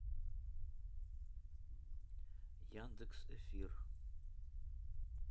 яндекс эфир